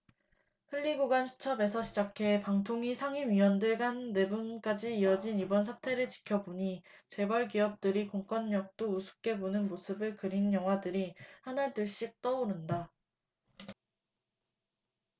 흘리고간 수첩에서 시작해 방통위 상임위원들 간 내분까지 이어진 이번 사태를 지켜보니 재벌 기업들이 공권력도 우습게 보는 모습을 그린 영화들이 하나둘씩 떠오른다